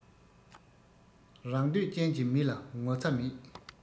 རང འདོད ཅན གྱི མི ལ ངོ ཚ མེད